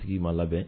Sigi ma labɛn